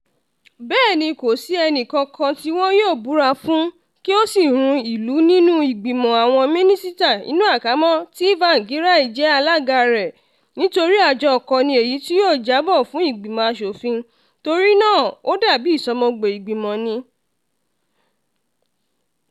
Bẹ́ẹ̀ni, kò sí ẹnì kankan tí wọn yóò búra fún kí ó sìn rú ìlú nínú ìgbìmọ̀ àwọn Mínísítà (tí Tsavangirai jẹ́ alága rẹ̀), nítorí àjọ kan ni èyí tí yóò jábọ̀ fún ìgbìmọ̀ aṣòfin, torí náà ó dà bí ìsọmọgbẹ̀ ìgbìmọ̀ ni.